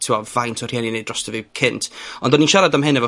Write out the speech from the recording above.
t'mo' faint o rhieni yn neud drosto fi cynt, ond o'n i'n siarad am hyn efo